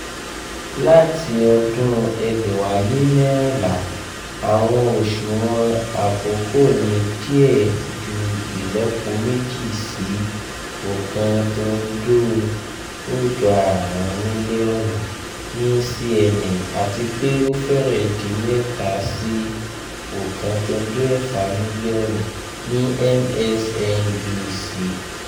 Lati ọdun 2014, awọn oṣuwọn akoko ni diẹ ju ilọpo meji si 1.05 milionu ni CNN ati pe o fẹrẹ di mẹta si 1.6 milionu ni MSNBC.